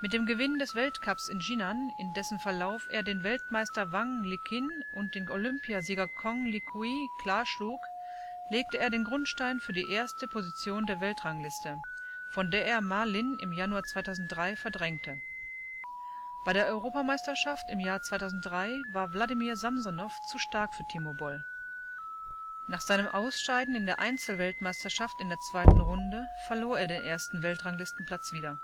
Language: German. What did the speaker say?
dem Gewinn des Weltcups in Jinan, in dessen Verlauf er den Weltmeister Wang Liqin und den Olympiasieger Kong Linghui klar schlug, legte er den Grundstein für die erste Position der Weltrangliste, von der er Ma Lin im Januar 2003 verdrängte. Bei der EM im Jahr 2003 war Wladimir Samsonow zu stark für Timo Boll. Nach seinem Ausscheiden in der Einzel-WM in der zweiten Runde verlor er den ersten Weltranglistenplatz wieder